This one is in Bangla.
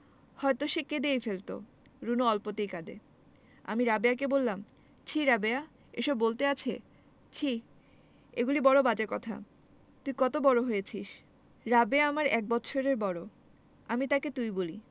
হয়তো সে কেঁদেই ফেলতো রুনু অল্পতেই কাঁদে আমি রাবেয়াকে বললাম ছিঃ রাবেয়া এসব বলতে আছে ছিঃ এগুলি বড় বাজে কথা তুই কত বড় হয়েছিস রাবেয়া আমার এক বৎসরের বড় আমি তাকে তুই বলি